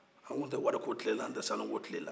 an tun tɛ wariko tile la an tɛ sanuko tile la